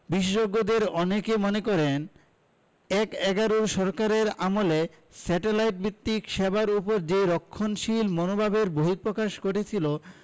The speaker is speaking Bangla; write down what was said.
বিশেষজ্ঞদের অনেকে মনে করেন এক–এগারোর সরকারের আমলে স্যাটেলাইট ভিত্তিক সেবার ওপর যে রক্ষণশীল মনোভাবের বহিঃপ্রকাশ ঘটেছিল